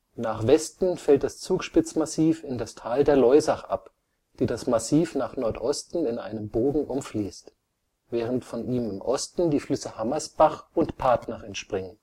Nach Westen fällt das Zugspitzmassiv in das Tal der Loisach ab, die das Massiv nach Nordosten in einem Bogen umfließt, während von ihm im Osten die Flüsse Hammersbach und Partnach entspringen